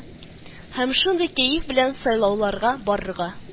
Һәм шундый кәеф белән сайлауларга барырга